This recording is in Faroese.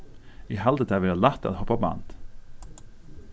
eg haldi tað vera lætt at hoppa band